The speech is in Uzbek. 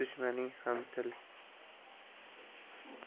dushmaning ham til